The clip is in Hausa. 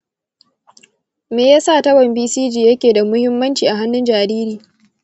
me ya sa tabon bcg yake da muhimmanci a hannun jariri?